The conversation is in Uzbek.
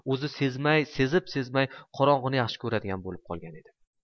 o'zi sezib sezmay qorong'ini yaxshi ko'radigan bo'lib qolgan edi